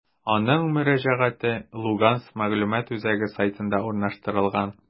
Аның мөрәҗәгате «Луганск мәгълүмат үзәге» сайтында урнаштырылган.